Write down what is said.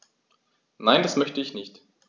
Nein, das möchte ich nicht.